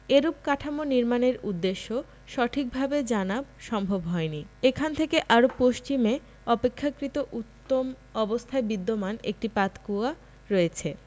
এরূপ কাঠামো নির্মাণের উদ্দেশ্য সঠিকভাবে জানা সম্ভব হয় নি এখান থেকে আরও পশ্চিমে অপেক্ষাকৃত উত্তম অবস্থায় বিদ্যমান একটি পাতকুয়া রয়েছে